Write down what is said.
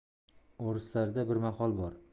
o'rislarda bir maqol bor